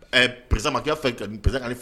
Ɛɛ peressamakɛ fɛ pɛsa fɛ